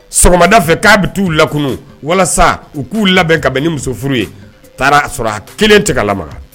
Sɔgɔmada fɛ k'a bɛ t'u lakunu walasa u k'u labɛn kabɛn ni muso furu ye taara sɔrɔ a kelen tɛga lamaga